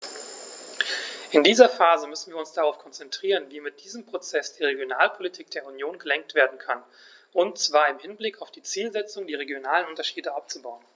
In dieser Phase müssen wir uns darauf konzentrieren, wie mit diesem Prozess die Regionalpolitik der Union gelenkt werden kann, und zwar im Hinblick auf die Zielsetzung, die regionalen Unterschiede abzubauen.